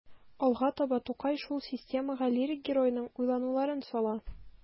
Алга таба Тукай шул системага лирик геройның уйлануларын сала.